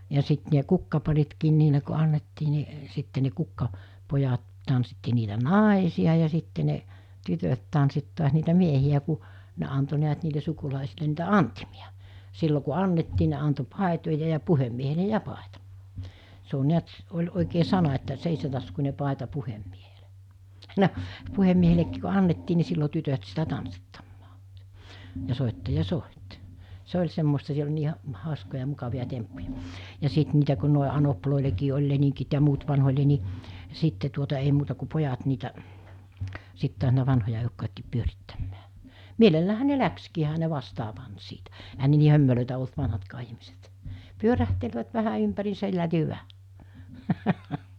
ja sitten ne kukkaparitkin niille kun annettiin niin sitten ne - kukkapojat tanssitti niitä naisia ja sitten ne tytöt tanssitti taas niitä miehiä kun ne antoi näet niille sukulaisille niitä antimia silloin kun annettiin ne antoi paitoja ja puhemiehelle ja paita se on näet oli oikein sana että seitsemäntaskuinen paita puhemiehelle no puhemiehellekin kun annettiin niin silloin tytöt sitä tanssittamaan ja soittaja soitti se oli semmoista siellä oli niin - hauskoja mukavia temppuja ja sitten niitä kun noin anopeillekin oli leningit ja muut vanhoille niin sitten tuota ei muuta kuin pojat niitä sitten taas niitä vanhoja eukkojakin pyörittämään mielelläänhän ne lähtikin eihän ne vastaan pannut siitä eihän ne niin hömelöitä ollut vanhatkaan ihmiset pyörähtelivät vähän ympäriinsä hyvä